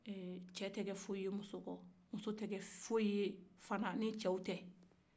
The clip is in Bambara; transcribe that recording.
cɛ tɛ kɛ foyi ye muso kɔ muso fana tɛ kɛ foyi ye cɛ kɔ